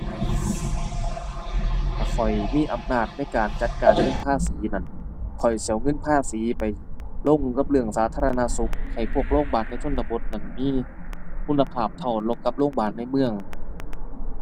ถ้าข้อยมีอำนาจในการจัดการเงินภาษีนั่น ข้อยสิเอาภาษีไปลงกับเรื่องสาธารณสุข ให้พวกโรงบาลชนบทนั่นมีคุณภาพเท่ากับโรงบาลในเมือง